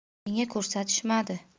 menga ko'rsatishmadi